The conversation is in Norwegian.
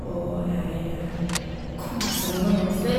Og jeg kosa meg med blomster.